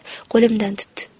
qo'limdan tutdi